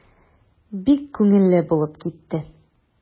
Бик күңелле булып китте.